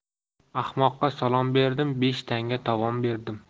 ahmoqqa salom berdim besh tanga tovon berdim